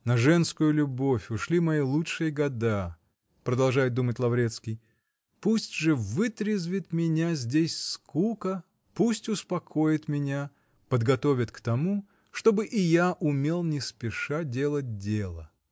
На женскую любовь ушли мои лучшие года, -- продолжает думать Лаврецкий, -- пусть же вытрезвит меня здесь скука, пусть успокоит меня, подготовит к тому, чтобы и я умел не спеша делать дело".